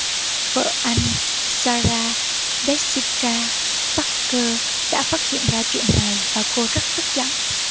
vợ anh sarah jessica parker đã phát hiện ra chuyện này và cô rất tức giận